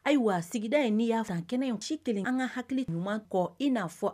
Ayiwa sigida in n'i y'a fa kɛnɛ in ci kelen an ka hakili ɲuman kɔ in n'a fɔ